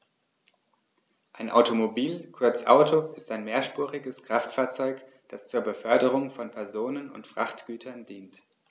Ein Automobil, kurz Auto, ist ein mehrspuriges Kraftfahrzeug, das zur Beförderung von Personen und Frachtgütern dient.